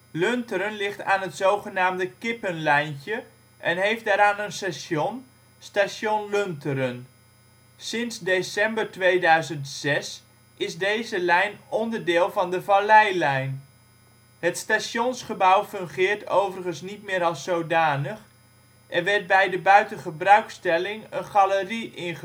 Lunteren ligt aan het zogenaamde kippenlijntje en heeft daaraan een station: station Lunteren. Sinds december 2006 is deze lijn onderdeel van de Valleilijn. Het stationsgebouw fungeert overigens niet meer als zodanig: er werd bij de buitengebruikstelling een galerie in gevestigd